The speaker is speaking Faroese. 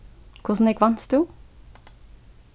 hvussu nógv vanst tú